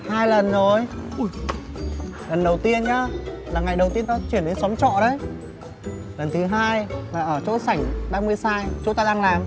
hai lần rồi lần đầu tiên nhá là ngày đầu tiên tao chuyển đến xóm trọ đấy lần thứ hai là ở chỗ sảnh ba mươi sai chỗ tao đang làm